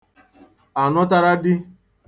ànụtaradi